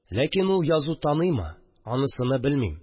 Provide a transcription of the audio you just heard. Ләкин ул язу таныймы, анысыны белмим